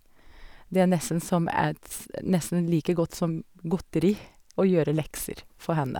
Det er nesten som et nesten like godt som godteri, å gjøre lekser, for henne.